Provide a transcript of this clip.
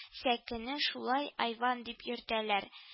Сәкене шулай айван дип йөртәләр